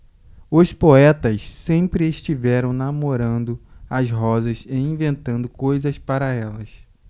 os poetas sempre estiveram namorando as rosas e inventando coisas para elas